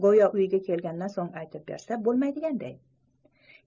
go'yo uyga kelgandan so'ng aytib bersa bo'lmaydiganday